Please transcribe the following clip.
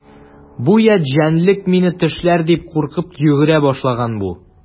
Бу ят җәнлек мине тешләр дип куркып йөгерә башлаган бу.